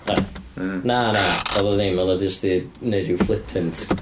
Oedd. Na, na oedd o ddim. Oedd o jyst 'di wneud rhyw flippant...